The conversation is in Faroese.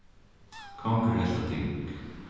kongur helt tá ting